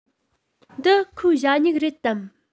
འདི ཁོའི ཞ སྨྱུག རེད དམ